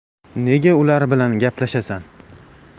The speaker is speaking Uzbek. nega ular bilan gaplashasan